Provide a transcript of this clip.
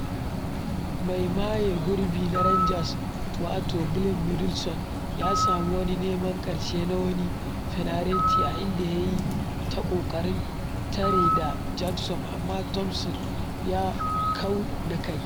Mai maye gurbi na Rangers twato Glenn Middleton ya sami wani neman ƙarshe na wani fenalti a inda ya yi ta ƙoƙarin tare da Jacobs amma Thomson ya kau da kai.